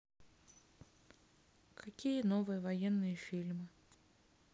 какие есть новые военные фильмы